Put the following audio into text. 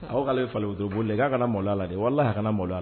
A k'aleuguur boli la ka maloya la de walala hakɛ ka maloya la